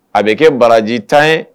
A bɛ kɛ baraji 10 ye